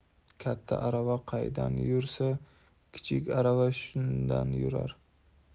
katta arava qaydan yursa kichik arava shundan yurar